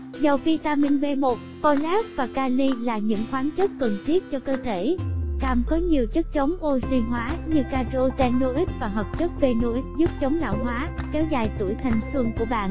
giàu vitamin b folate và kali là những khoáng chất cần thiết cho cơ thể cam có nhiều chất chống oxi hóa như carotenoic và hợp chất phenoic giúp chống lão hóa kéo dài tuổi thanh xuân của bạn